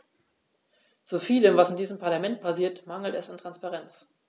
Zu vielem, was in diesem Parlament passiert, mangelt es an Transparenz.